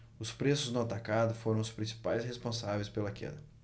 os preços no atacado foram os principais responsáveis pela queda